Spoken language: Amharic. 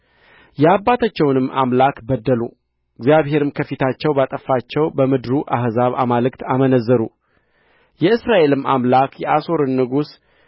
የአባቶቻቸውንም አምላክ በደሉ እግዚአብሔርም ከፊታቸው ባጠፋቸው በምድሩ አሕዛብ አማልክት አመነዘሩ የእስራኤልም አምላክ የአሦርን ንጉሥ